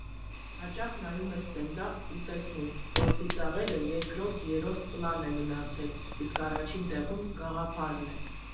Հաճախ նայում ես սթենդափ ու տեսնում, որ ծիծաղելը երկրորդ֊երրորդ պլան է գնացել, իսկ առաջին տեղում գաղափարն է։